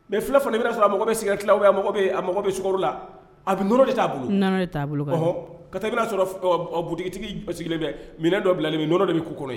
Mɛais fula fana filɛ, i bɛna sɔrɔ a mago bɛ cigaette a mago be sukaro la , a bɛ nɔnɔ de t'a bolo, nɔn de t'a bolo kɔrɔ, ka sɔrɔ i bna butigitigi sigilen minɛ dɔ bilalen don o kɔrɔ nɔnɔ bɛ k'o a kɔnɔ